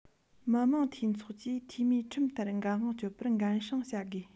མི དམངས འཐུས ཚོགས ཀྱི འཐུས མིས ཁྲིམས ལྟར འགན དབང སྤྱོད པར འགན སྲུང བྱ དགོས